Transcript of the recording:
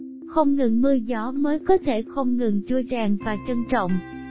không ngừng mưa gió mới có thể không ngừng trui rèn và trân trọng